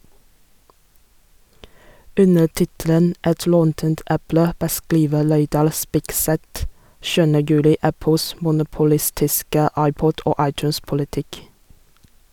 Under tittelen «Et råttent eple» beskriver Reidar Spigseth 7. juli Apples monopolistiske iPod- og iTunes-politikk.